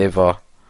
...efo.